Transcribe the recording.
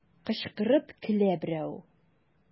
Кычкырып көлә берәү.